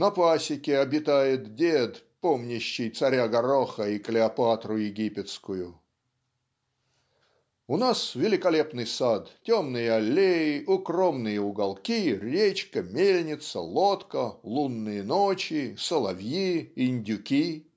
На пасеке обитает дед, помнящий царя Гороха и Клеопатру Египетскую". "У нас великолепный сад темные аллеи укромные уголки речка мельница лодка лунные ночи соловьи индюки.